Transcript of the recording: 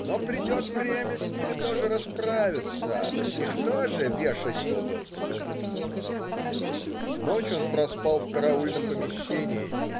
Но придет время - с ними тоже расправятся, их тоже вешать будут!" Ночь он проспал в караульном помещении.